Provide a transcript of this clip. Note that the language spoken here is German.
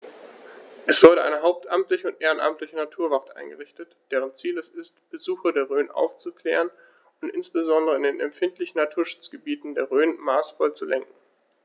Es wurde eine hauptamtliche und ehrenamtliche Naturwacht eingerichtet, deren Ziel es ist, Besucher der Rhön aufzuklären und insbesondere in den empfindlichen Naturschutzgebieten der Rhön maßvoll zu lenken.